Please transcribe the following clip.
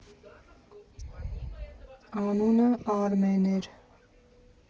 Անունը Արմեն էր։